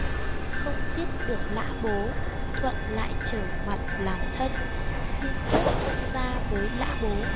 không giết được lã bố thuật lại trở mặt làm thân xin kết thông gia với lã bố